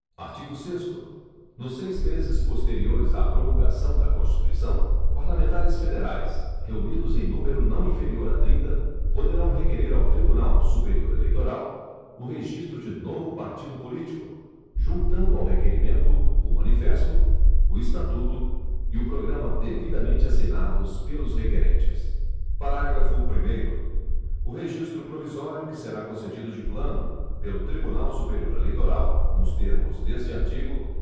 artigo sexto nos seis meses posteriores à promulgação da constituição parlamentares federais reunidos em número não inferior a trinta poderão requerer ao tribunal superior eleitoral o registro de novo partido político juntando ao requerimento o manifesto o estatuto e o programa devidamente assinados pelos requerentes parágrafo primeiro o registro provisório que será concedido de plano pelo tribunal superior eleitoral nos termos deste artigo